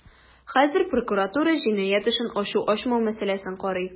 Хәзер прокуратура җинаять эшен ачу-ачмау мәсьәләсен карый.